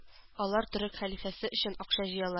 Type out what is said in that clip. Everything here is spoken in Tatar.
Алар төрек хәлифәсе өчен акча җыялар